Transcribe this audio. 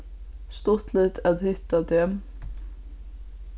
stuttligt at hitta teg